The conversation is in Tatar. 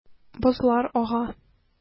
Бозлар ага.